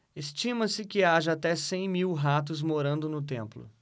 estima-se que haja até cem mil ratos morando no templo